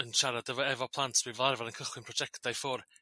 yn siarad efo efo plant dwi fel arfar yn cychwyn projectau ffwr'